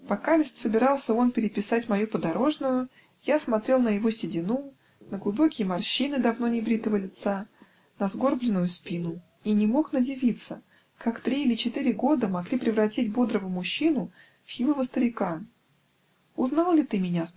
Покамест собирался он переписать мою подорожную, я смотрел на его седину, на глубокие морщины давно небритого лица, на сгорбленную спину -- и не мог надивиться, как три или четыре года могли превратить бодрого мужчину в хилого старика. "Узнал ли ты меня?